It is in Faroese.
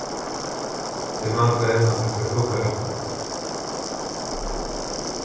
tey mangla enn at pakka kuffertini